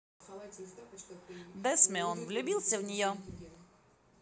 desmeon влюбился в нее